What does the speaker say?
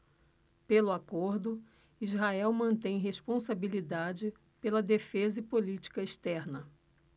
pelo acordo israel mantém responsabilidade pela defesa e política externa